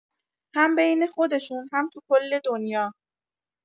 هم بین خودشون هم تو کل دنیا